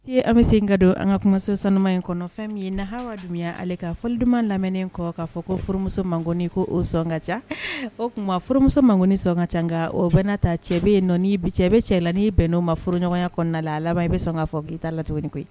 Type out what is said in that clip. Se an bɛ se ka don an ka kumaso sanuuma in kɔnɔ fɛn min ye na haya ale ka fɔ dumanma lamɛnnen kɔ k'a fɔ ko furuuso mangoni ko o sɔn an ka ca o tuma furumuso mangoni sɔn ka ca nka o bɛna ta cɛ cɛ bɛ cɛ la ni bɛn n'o ma foroɲɔgɔnya kɔnɔna la a i bɛ sɔn k kaa fɔ k' t'a la tuguni koyi